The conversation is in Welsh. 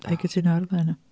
Wna i cytuno ar y ddau yna.